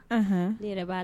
H ne yɛrɛ b'a la